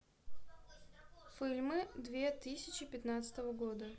фильмы две тысячи пятнадцатого года